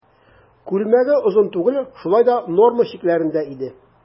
Күлмәге озын түгел, шулай да норма чикләрендә иде.